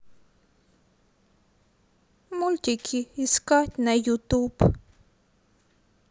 мультики искать на ютуб